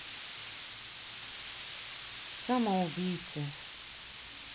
самоубийцы